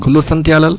kon loolu sant yàlla la